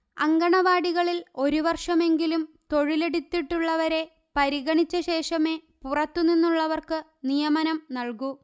അങ്കണവാടികളിൽ ഒരുവർഷമെങ്കിലും തൊഴിലെടുത്തിട്ടുള്ളവരെ പരിഗണിച്ച ശേഷമേ പുറത്തു നിന്നുള്ളവർക്ക് നിയമനം നല്കൂ